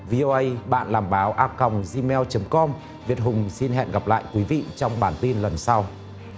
vi ô ây bạn làm báo a còng gi meo chấm com việt hùng xin hẹn gặp lại quý vị trong bản tin lần sau